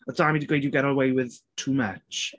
Oedd Dami 'di gweud "you get away with too much."